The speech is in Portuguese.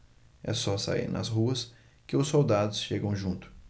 é só sair nas ruas que os soldados chegam junto